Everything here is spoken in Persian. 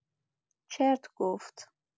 چرت گفت!